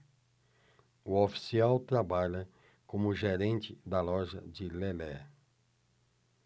o oficial trabalha como gerente da loja de lelé